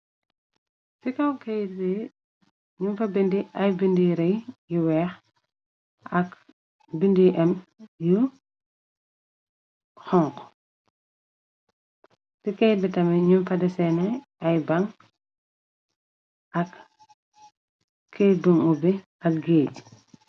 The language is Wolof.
Ci kaw kayt bi ñyun fa binda ay binda yu rëey yu weex ak binda yu emm yu xonxu si kayt bi tamit nyun fa desene ay bang ak kayt bin ebi ak géeg.